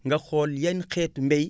nga xool yan xeetu mbay